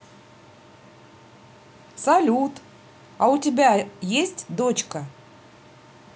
салют у тебя есть дочка